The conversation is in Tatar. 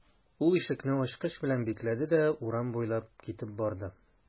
Ул ишекне ачкыч белән бикләде дә урам буйлап китеп барды.